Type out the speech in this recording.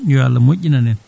yo Allah moƴƴinan en